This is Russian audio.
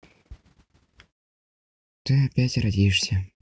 ты опять родишься